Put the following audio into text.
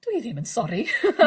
Dwi ddim yn sori!